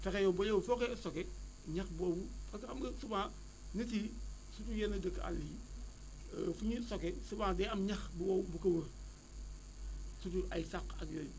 fexe yow ba yow foo koy stocké ñax boobu parce que xam nga souvent nit yi surtout yenn dëkku àll yi fu ñuy stocké souvent day am ñax bu wow bu ko wër surtout ay sàq ak yooyu